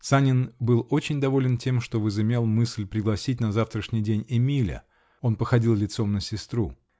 Санин был очень доволен тем, что возымел мысль пригласить на завтрашний день Эмиля он походил лицом на сестру.